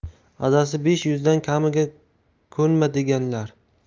adasi besh yuzdan kamiga ko'nma deganlar